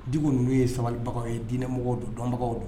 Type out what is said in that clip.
Diko ninnu ye sabalibagaw ye, wdiinɛmɔgɔw don, dɔnbagaw don